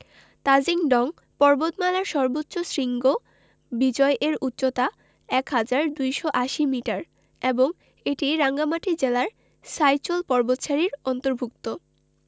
তাজিং ডং পর্বতমালার সর্বোচ্চ শৃঙ্গ বিজয় এর উচ্চতা ১হাজার ২৮০ মিটার এবং এটি রাঙ্গামাটি জেলার সাইচল পর্বতসারির অন্তর্ভূক্ত